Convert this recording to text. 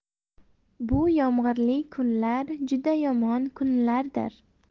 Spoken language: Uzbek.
bu yomg'irli kunlar juda yomon kunlardir